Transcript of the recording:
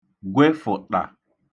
gwefụ̀tà